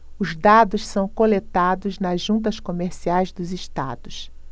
os dados são coletados nas juntas comerciais dos estados